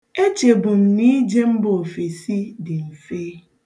E chebu m na ije mba ofesi dị mfe.